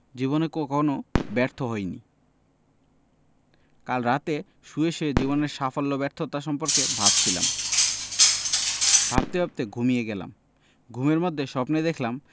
জীবনে কখনো ব্যর্থ হইনি কাল রাতে শুয়ে শুয়ে জীবনের সাফল্য ব্যর্থতা সম্পর্কে ভাবছিলাম ভাবতে ভাবতে ঘুমিয়ে গেলাম ঘুমের মধ্যে স্বপ্ন দেখলাম